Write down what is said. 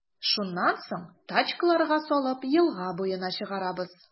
Шуннан соң, тачкаларга салып, елга буена чыгарабыз.